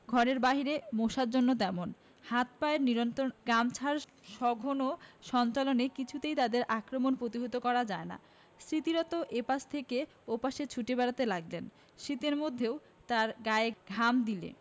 ঘরের বাইরে মশার জন্য তেমন হাত পায়ের নিরন্তর গামছার সঘন সঞ্চালনে কিছুতেই তাদের আক্রমণ প্রতিহত করা যায় না স্মৃতিরত্ন এ পাশ থেকে ও পাশে ছুটে বেড়াতে লাগলেন শীতের মধ্যেও তাঁর গায়ে ঘাম দিলে